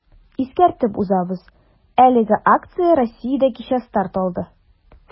Искәртеп узабыз, әлеге акция Россиядә кичә старт алды.